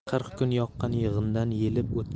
qirq kun yoqqan yog'indan